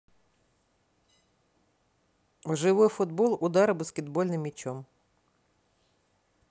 живой футбол удары баскетбольным мячом